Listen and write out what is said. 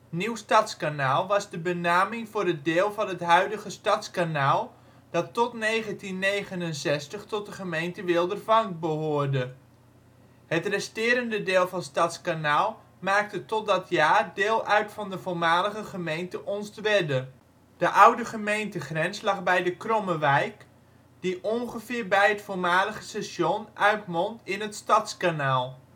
Nieuw-Stadskanaal was de benaming voor het deel van het huidige Stadskanaal dat tot 1969 tot de gemeente Wildervank behoorde. Het resterende deel van Stadskanaal maakte tot dat jaar deel uit van de voormalige gemeente Onstwedde. De oude gemeentegrens lag bij de Krommewijk, die ongeveer bij het voormalige station uitmondt in het Stadskanaal